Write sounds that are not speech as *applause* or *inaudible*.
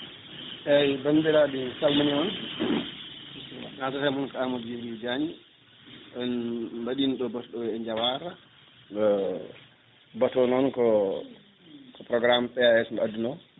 eyyi bandiraɓe mi salmini on haldata e moon ko Amadou Djibril Diagne en mbaɗino ɗo baatu ɗo e Diawara *hesitation* baatu o noon ko ko programme PAS nde adduno